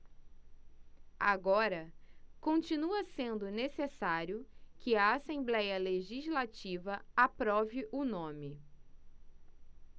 agora continua sendo necessário que a assembléia legislativa aprove o nome